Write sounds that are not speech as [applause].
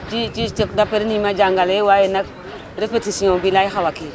ci ci ci d' après ni ñu ma jàngalee waaye nag [crosstalk] répétition bi laay xaw a kii